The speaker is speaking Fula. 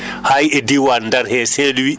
hay e diiwaan ndar he Saint-Louis